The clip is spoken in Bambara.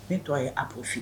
Ne tɔ a ye a koo fili